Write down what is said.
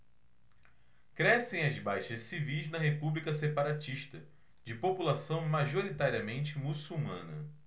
crescem as baixas civis na república separatista de população majoritariamente muçulmana